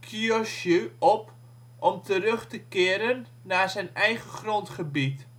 bezat in Kyushu op om terug te keren naar zijn eigen grondgebied